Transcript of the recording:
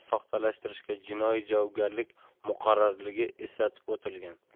soxtalashtirishga jinoiy javobgarlik muqarrarligi eslatib o'tilgan